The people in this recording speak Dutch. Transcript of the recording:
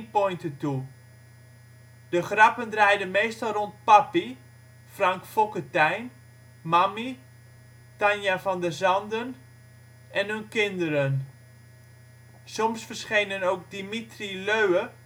pointe toe. De grappen draaiden meestal rond " Pappie " (Frank Focketyn), " Mammie " (Tania Van der Sanden) en hun kinderen. Soms verschenen ook Dimitri Leue